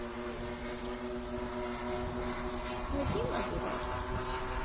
вадима дурак